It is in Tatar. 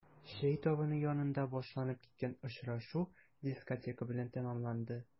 Чәй табыны янында башланып киткән очрашу дискотека белән тәмамланды.